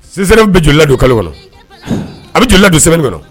Si bɛ jla don kalo kɔnɔ a bɛ joli don sɛbɛn kɔnɔ